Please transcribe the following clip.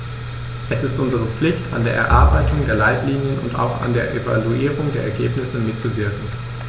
Es ist unsere Pflicht, an der Erarbeitung der Leitlinien und auch an der Evaluierung der Ergebnisse mitzuwirken.